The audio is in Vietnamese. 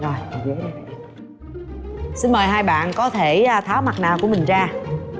rồi ngồi ghế đi xin mời hai bạn có thể a tháo mặt nạ của mình ra